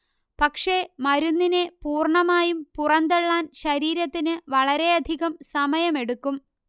പക്ഷേ മരുന്നിനെ പൂർണ്ണമായും പുറന്തള്ളാൻ ശരീരത്തിന് വളരെയധികം സമയമെടുക്കും